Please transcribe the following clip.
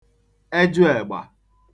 ejụègbà